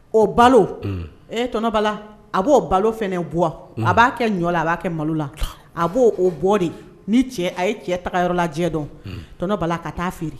O balo tɔnɔ bala a b'o balo fana buug a b'a kɛ ɲɔ a b'a kɛ malo la a b'o o bɔ de ni cɛ a ye cɛ taga yɔrɔla diɲɛ dɔn tɔnɔ bala ka taa feere